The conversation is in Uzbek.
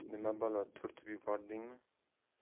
nima balo turtib yubordingmi